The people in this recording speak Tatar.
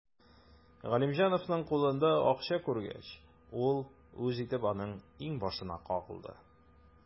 Галимҗановның кулында акча күргәч, ул үз итеп аның иңбашына кагылды.